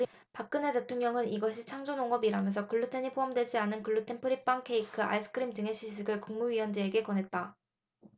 박근헤 대통령은 이것이 창조농업이라면서 글루텐이 포함되지 않은 글루텐 프리 빵 케이크 아이스크림 등의 시식을 국무위원들에게 권했다